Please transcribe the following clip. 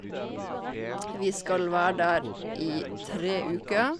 Vi skal være der i tre uker.